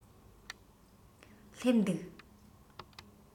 སླེབས འདུག